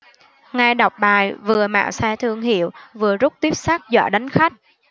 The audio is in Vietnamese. nghe đọc bài vừa mạo xe thương hiệu vừa rút tuýp sắt dọa đánh khách